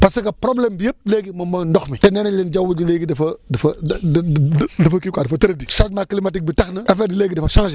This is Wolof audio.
parce que problème bi yëpp léegi moom mooy ndox mi te nee nañ leen jaww ji léegi dafa dafa da da dafa kii quoi dafa tëradi changement climatique bi tax na affaire bi léegi dafa changé